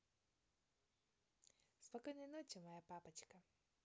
спокойной ночи моя папочка